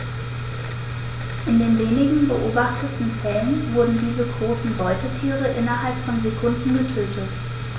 In den wenigen beobachteten Fällen wurden diese großen Beutetiere innerhalb von Sekunden getötet.